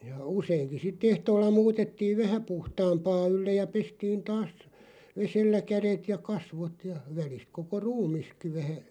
ja useinkin sitä ehtoolla muutettiin vähän puhtaampaa ylle ja pestiin taas vedellä kädet ja kasvot ja välistä koko ruumiskin vähän